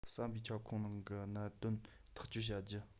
བསམ པའི ཁྱབ ཁོངས ནང གི གནད དོན ཐག གཅོད བྱ རྒྱུ